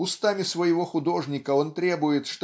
Устами своею художника он требует